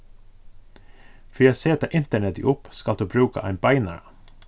fyri at seta internetið upp skalt tú brúka ein beinara